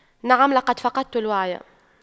نعم لقد فقدت الوعي